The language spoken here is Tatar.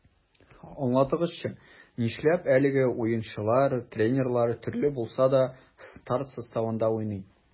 Аңлатыгызчы, нишләп әлеге уенчылар, тренерлар төрле булса да, старт составында уйный?